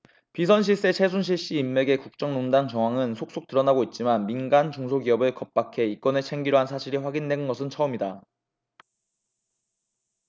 비선 실세 최순실씨 인맥의 국정농단 정황은 속속 드러나고 있지만 민간 중소기업을 겁박해 이권을 챙기려 한 사실이 확인된 것은 처음이다